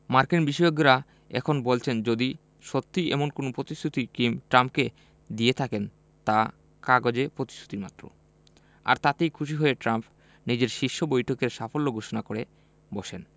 মার্কিন বিশেষজ্ঞেরা এখন বলছেন যদি সত্যি এমন কোনো প্রতিশ্রুতি কিম ট্রাম্পকে দিয়ে থাকেন তা কাগুজে প্রতিশ্রুতিমাত্র আর তাতেই খুশি হয়ে ট্রাম্প নিজের শীর্ষ বৈঠকের সাফল্য ঘোষণা করে বসেন